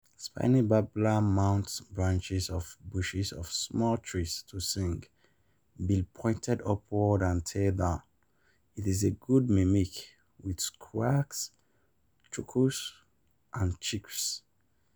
Spiny Babbler mounts branches of bushes or small trees to sing, bill pointed upward and tail down. It is a good mimic, with squeaks, chuckles and chirps.